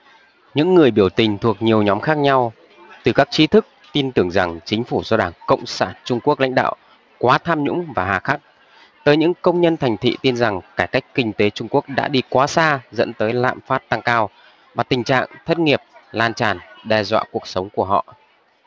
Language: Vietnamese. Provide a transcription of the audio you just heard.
những người biểu tình thuộc nhiều nhóm khác nhau từ các trí thức tin tưởng rằng chính phủ do đảng cộng sản trung quốc lãnh đạo quá tham nhũng và hà khắc tới những công nhân thành thị tin rằng cải cách kinh tế trung quốc đã đi quá xa dẫn tới lạm phát tăng cao và tình trạng thất nghiệp lan tràn đe dọa cuộc sống của họ